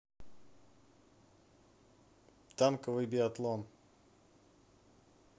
танковый биатлон